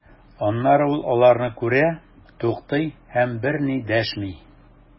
Аннары ул аларны күрә, туктый һәм берни дәшми.